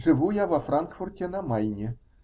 Живу я во Франкфурте-на-Майне.